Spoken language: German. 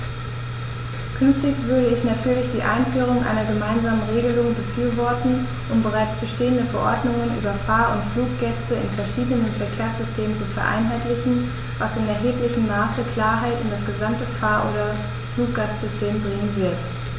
Künftig würde ich natürlich die Einführung einer gemeinsamen Regelung befürworten, um bereits bestehende Verordnungen über Fahr- oder Fluggäste in verschiedenen Verkehrssystemen zu vereinheitlichen, was in erheblichem Maße Klarheit in das gesamte Fahr- oder Fluggastsystem bringen wird.